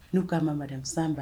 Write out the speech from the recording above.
N'u ka ma san ba